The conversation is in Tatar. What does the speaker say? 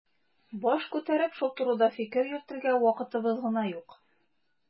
Баш күтәреп шул турыда фикер йөртергә вакытыбыз гына юк.